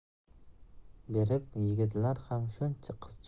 berib yigitlar ham shuncha qiz